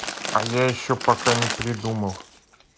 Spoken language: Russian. а я еще пока не придумал